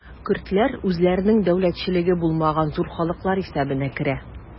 Көрдләр үзләренең дәүләтчелеге булмаган зур халыклар исәбенә керә.